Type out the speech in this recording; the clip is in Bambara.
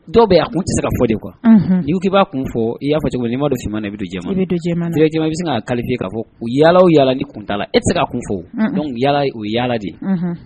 Dɔw bɛ a tun tɛ se ka fɔ de kuwa'u kiba b'a kun fɔ i y' fɔ i madɔ si ma ne bɛ don neja bɛ se ka kali ka fɔ u yaala yaala ni kuntala e tɛ se'a kun fɔ n yaa ye o yaala de ye